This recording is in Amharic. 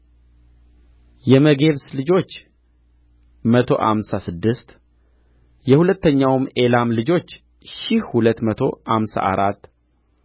የመጌብስ ልጆች መቶ አምሳ ስድስት የሁለተኛውም ኤላም ልጆች ሺህ ሁለት መቶ አምሳ አራት